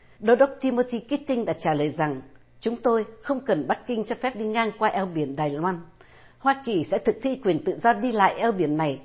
đô đốc chi mô chi kít tinh đã trả lời rằng chúng tôi không cần bắc kinh cho phép đi ngang qua eo biển đài loan hoa kỳ sẽ thực thi quyền tự do đi lại eo biển này